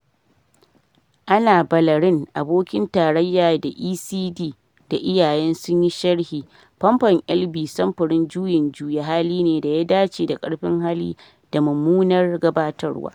Ana Balarin, abokin tarayya da ECD da iyaye sunyi sharhi: “Famfon Elvie samfurin juyin juya hali ne da ya dace da karfin hali da mummunar gabatarwa.